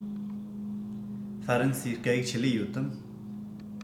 ཧྥ རན སིའི སྐད ཡིག ཆེད ལས ཡོད དམ